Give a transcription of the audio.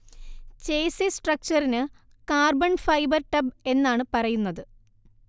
chassis സ്ട്രക്ചറിന് carbon fibre tub എന്നാണ് പറയുന്നത്